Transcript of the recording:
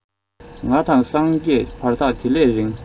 ང དང སངས རྒྱས བར ཐག དེ ལས རིང